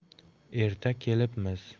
erta kelibmiz